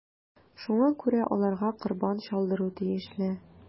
Шуңа күрә аларга корбан чалдыру тиешле.